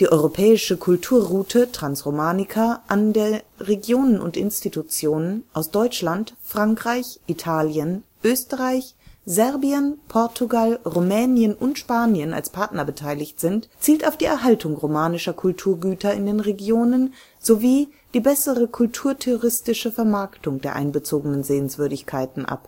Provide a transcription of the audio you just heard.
Die Europäische Kulturroute Transromanica, an der Regionen und Institutionen aus Deutschland, Frankreich, Italien, Österreich, Serbien, Portugal, Rumänien und Spanien als Partner beteiligt sind, zielt auf die Erhaltung romanischer Kulturgüter in den Regionen sowie die bessere kulturtouristische Vermarktung der einbezogenen Sehenswürdigkeiten ab